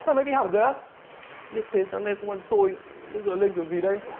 thang máy bị hỏng rồi á biết thế sáng nay không ăn xôi bây giờ đi lên kiểu gì đây